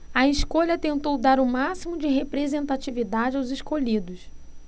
a escolha tentou dar o máximo de representatividade aos escolhidos